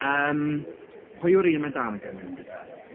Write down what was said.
Yym pwy yw'r un ma' Danica yn mynd gyda?